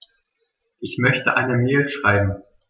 Ich möchte eine Mail schreiben.